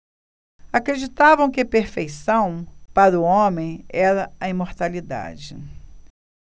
acreditavam que perfeição para o homem era a imortalidade